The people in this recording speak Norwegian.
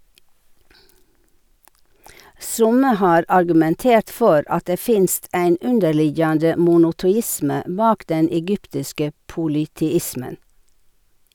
Somme har argumentert for at det finst ein underliggjande monoteisme bak den egyptiske polyteismen.